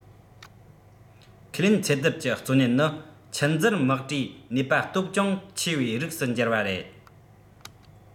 ཁས ལེན ཚད བསྡུར གྱི གཙོ གནད ནི ཆུ འཛུལ དམག གྲུའི ནུས པ སྟོབས ཅུང ཆེ བའི རིགས སུ གྱུར བ རེད